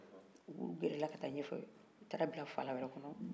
u gɛrɛ la ka ta ɲɛnfɛ u taara bila fara wɛrɛ kɔnɔ